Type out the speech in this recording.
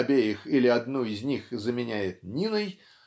обеих или одну из них заменяет Ниной